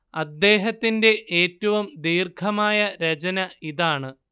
അദ്ദേഹത്തിന്റെ ഏറ്റവും ദീർഘമായ രചന ഇതാണ്